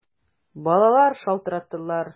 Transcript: Балалар шалтыраттылар!